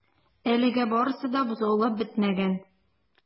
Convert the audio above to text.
Әлегә барысы да бозаулап бетмәгән.